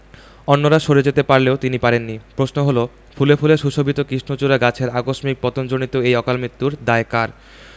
অন্যরা সরে যেতে পারলেও তিনি পারেননি প্রশ্ন হলো ফুলে ফুলে সুশোভিত কৃষ্ণচূড়া গাছের আকস্মিক পতনজনিত এই অকালমৃত্যুর দায় কার